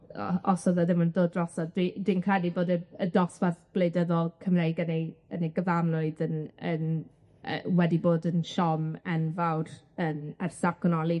o- os o'dd e ddim yn dod drosodd, dwi dwi'n credu bod y y dosbarth gwleidyddol Cymreig yn ei yn ei gyfanrwydd yn yn yy wedi bod yn siom enfawr yym ers datganoli.